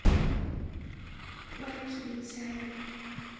байки митяя